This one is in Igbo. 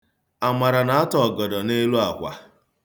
Amara na-atọ ọgọdọ n'elu akwa.